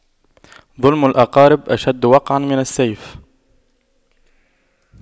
ظلم الأقارب أشد وقعا من السيف